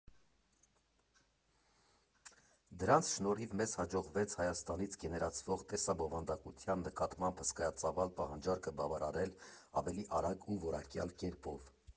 Դրանց շնորհիվ մեզ հաջողվեց Հայաստանից գեներացվող տեսաբովանդակության նկատմամբ հսկայածավալ պահանջարկը բավարարել ավելի արագ ու որակյալ կերպով։